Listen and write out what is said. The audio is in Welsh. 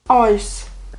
Oes.